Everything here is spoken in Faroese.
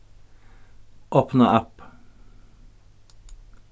opna app